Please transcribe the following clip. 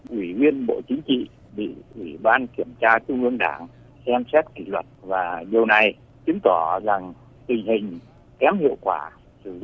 ủy viên bộ chính trị bị ủy ban kiểm tra trung ương đảng xem xét kỷ luật và điều này chứng tỏ rằng tình hình kém hiệu quả